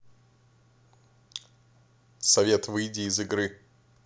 совет выйди из игры